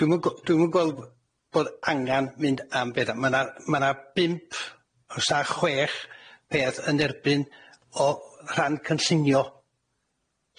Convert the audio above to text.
Dwi'm yn gw- dwi'm yn gweld fod angan mynd am bedd- ma' na ma' na bump fysa chwech beth yn erbyn. o rhan cynllunio.